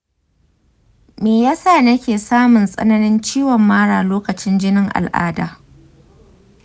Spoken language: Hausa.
me yasa nake samun tsananin ciwon mara lokacin jinin al'ada?